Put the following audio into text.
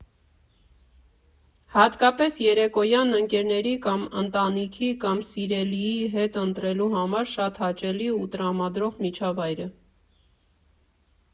Հատկապես երեկոյան ընկերների կամ ընտանիքի կամ սիրելիի հետ ընթրելու համար շատ հաճելի ու տրամադրող միջավայր է։